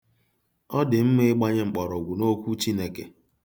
Ọ dị mma ịgbanye mkpọrọgwụ n'Okwu Chineke.